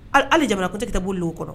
Hali jamana ko tɛ boli o kɔrɔ